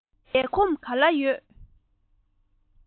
བསྡད ཁོམ ག ལ ཡོད